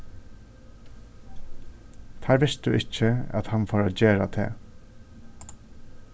teir vistu ikki at hann fór at gera tað